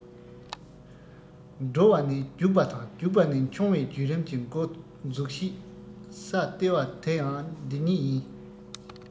འགྲོ བ ནས རྒྱུག པ རྒྱུག པ ནས མཆོང བའི རྒྱུད རིམ གྱི མགོ འཛུགས བྱེད ས ལྟེ བ དེ ཡང འདི ཉིད ཡིན